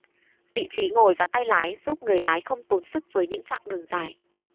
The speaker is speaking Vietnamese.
vị trí ngồi và tay lái giúp người lái không tốn sức với những chặng đường dài